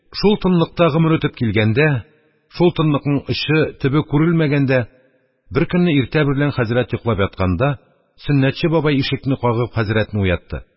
Шул тынлыкта гомер үтеп килгәндә, шул тынлыкның очы, төбе күрелмәгәндә, беркөнне иртә берлән хәзрәт йоклап ятканда, Сөннәтче бабай, ишекне кагып, хәзрәтне уятты.